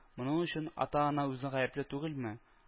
Моның өчен ата-ана үзе гаепле түгелме